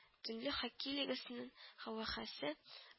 Төнле хоккей лигасының һәвәхәсе